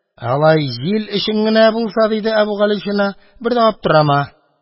Алай җил өчен генә булса… – диде Әбүгалисина, – бер дә аптырама.